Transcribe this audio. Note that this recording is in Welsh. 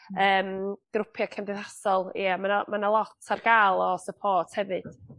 yym grwpie cymdeithasol, ie ma' 'na ma' 'na lot ar ga'l o support hefyd.